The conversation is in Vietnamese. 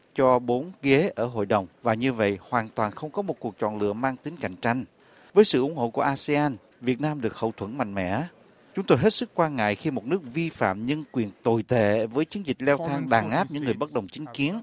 cho bốn ghế ở hội đồng và như vậy hoàn toàn không có một cuộc chọn lựa mang tính cạnh tranh với sự ủng hộ của a sê an việt nam được hậu thuẫn mạnh mẽ chúng tôi hết sức quan ngại khi một nước vi phạm nhân quyền tồi tệ với chiến dịch leo thang đàn áp những người bất đồng chính kiến